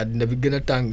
adduna bi gën a tàng